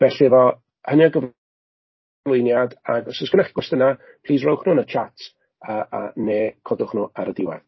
Felly efo hynny o gyflwyniad ag os oes gynnoch chi gwestiynau, plis rowch nhw yn y chats, neu codwch nhw ar y diwedd.